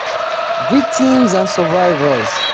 Victims and Survivors